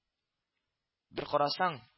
Бер карасаң